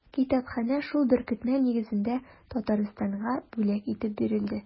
Китапханә шул беркетмә нигезендә Татарстанга бүләк итеп бирелде.